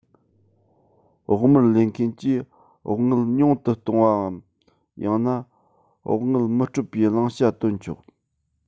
བོགས མར ལེན མཁན གྱིས བོགས དངུལ ཉུང དུ གཏོང བའམ ཡང ན བོགས དངུལ མི སྤྲོད པའི བླང བྱ བཏོན ཆོག